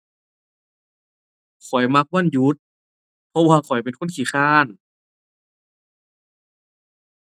ข้อยมักวันหยุด เพราะว่าข้อยเป็นคนขี้คร้าน